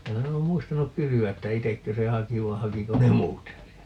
minä en ole muistanut kysyä että itsekö se haki vai hakiko ne muut sen sieltä